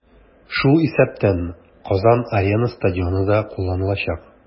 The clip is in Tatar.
Шул исәптән "Казан-Арена" стадионы да кулланылачак.